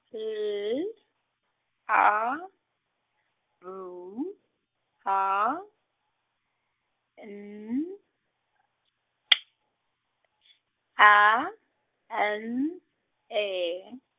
L, A, B, A, N, , A, N, E.